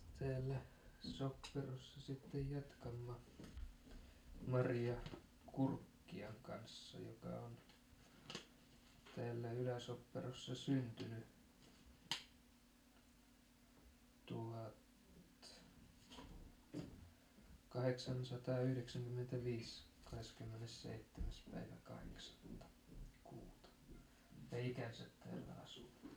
täällä Sopperossa sitten jatkamme Maria Kurkkion kanssa joka on täällä Ylä-Sopperossa syntynyt tuhat kahdeksansataayhdeksänkymmentäviisi kahdeskymmenesseitsemäs päivä kahdeksatta kuuta ja ikänsä täällä asunut